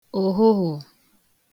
ụ̀hụhụ̀